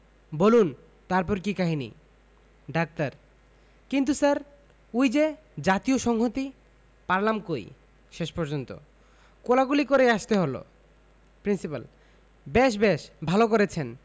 বুলন তারপর কি কাহিনী ডাক্তার কিন্তু স্যার ওই যে জাতীয় সংহতি পারলাম কই শেষ পর্যন্ত কোলাকুলি করেই আসতে হলো প্রিন্সিপাল বেশ বেশ ভালো করেছেন